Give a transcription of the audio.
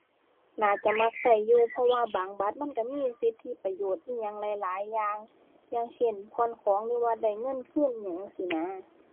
น่าจะมักใช้อยู่ เพราะว่าบางบัตรมันใช้มีสิทธิประโยชน์อิหยังหลายหลายอย่าง อย่างเช่นผ่อนของหรือว่าได้เงินคืนอิหยังจั่งซี้นะ